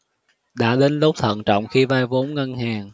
đã đến lúc thận trọng khi vay vốn ngân hàng